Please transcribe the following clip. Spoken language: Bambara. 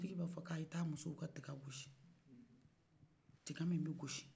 dugi b'a fɔ k'aya musow ka tigɛ gosi tigɛ min bɛ gosi